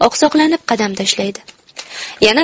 oqsoqlanib qadam tashlaydi